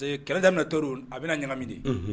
Parce que kɛlɛ da to a bɛna ɲɛnami di